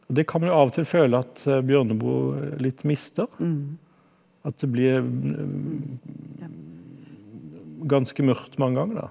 og det kan man jo av og til føle at Bjørneboe litt mister, at det blir ganske mørkt mange ganger da.